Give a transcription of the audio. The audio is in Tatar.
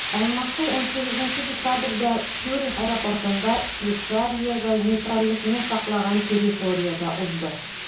Алмашу 18 декабрьдә Цюрих аэропортында, Швейцариягә нейтральлекне саклаган территориядә узды.